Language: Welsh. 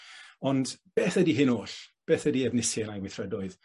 Ond beth ydi hyn oll? Beth ydi Efnisien a'i weithredoedd?